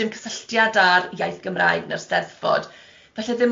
dim cysylltiad â'r iaith Gymraeg na'r Steddfod, falle ddim yn